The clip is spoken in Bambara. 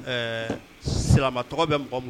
Ɛɛ sira tɔgɔ bɛ mɔgɔ